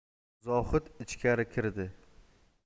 zohid ichkari kirdi